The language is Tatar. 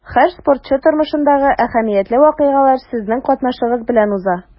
Һәр спортчы тормышындагы әһәмиятле вакыйгалар сезнең катнашыгыз белән уза.